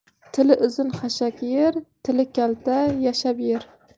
tili uzun xashak yer tili kalta yashab yer